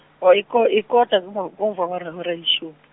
o iko- ikota emv- emva kwehora leshum-.